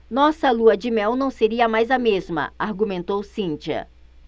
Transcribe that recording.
nossa lua-de-mel não seria mais a mesma argumenta cíntia